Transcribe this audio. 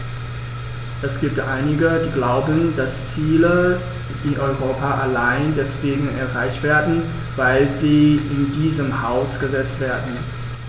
Es gibt einige, die glauben, dass Ziele in Europa allein deswegen erreicht werden, weil sie in diesem Haus gesetzt werden.